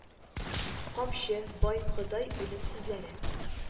“камчы“, “бай“, “ходай“, “үлем“ сүзләре,